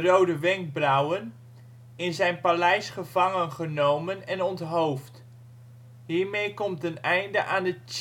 Rode Wenkbrauwen ") in zijn paleis gevangengenomen en onthoofd. Hiermee komt er een einde aan de